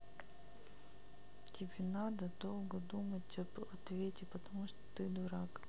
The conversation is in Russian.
тебе надо долго думать об ответе потому что ты дурак